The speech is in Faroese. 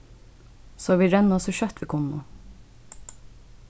so vit renna so skjótt vit kunnu